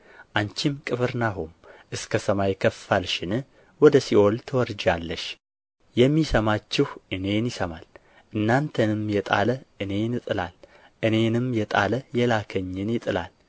አንቺም ቅፍርናሆም እስከ ሰማይ ከፍ አልሽን ወደ ሲኦል ትወርጃለሽ የሚሰማችሁ እኔን ይሰማል እናንተንም የጣለ እኔን ይጥላል እኔንም የጣለ የላከኝን ይጥላል